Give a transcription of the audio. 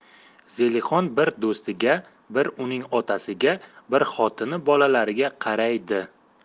zelixon bir do'stiga bir uning otasiga bir xotini bolalariga qaraydi